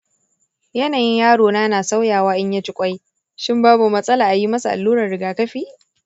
yanayin yarona na sauyawa in ya ci ƙwai; shin babu matsala a yi masa allurar rigakafi?